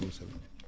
maaleykum salaam